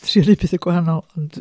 Trio pethau gwahanol, ond...